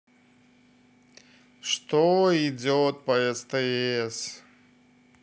что идет по стс